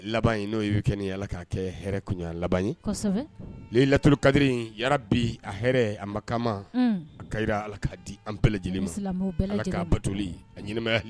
Laban in n'o weekend allah ka kɛ hɛrɛ kuɲan laban ye, kosɛb, layilatul kadiri a hɛrɛ, a makaama, unhun, allah ka di an bɛɛ lajɛlen ma , a kayira allah k'a di an bɛɛ lajɛlen ma, an ma ani silamɛ bɛɛ lajɛlen allah k'a batoli , a ɲanamaya